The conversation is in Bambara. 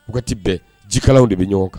Wagati bɛɛ jikalanw de be ɲɔgɔn kan